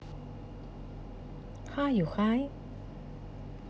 хаю хай